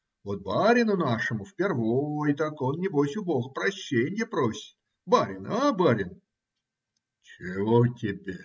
Вот барину нашему впервой, так он небось у бога прощенья просит. Барин, а барин? - Чего тебе?